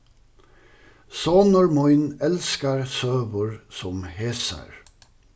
sonur mín elskar søgur sum hesar